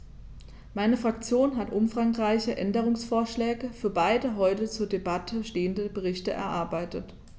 Meine Fraktion hat umfangreiche Änderungsvorschläge für beide heute zur Debatte stehenden Berichte erarbeitet.